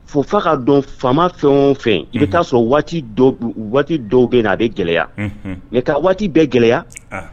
Fo fo ka don fa fɛn o fɛn i bɛ'a sɔrɔ waati waati dɔw bɛ na a bɛ gɛlɛya nka waati bɛɛ gɛlɛya